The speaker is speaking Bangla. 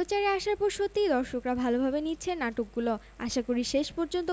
অথচ প্রচলিত যন্ত্রগুলো অনেক শীতল